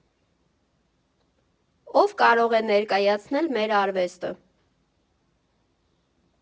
Ո՞վ կարող է ներկայացնել մեր արվեստը։